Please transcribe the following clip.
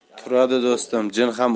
turadi do'stim jin